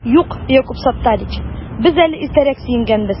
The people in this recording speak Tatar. Юк, Якуб Саттарич, без әле иртәрәк сөенгәнбез